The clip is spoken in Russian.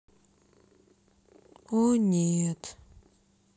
ооо нет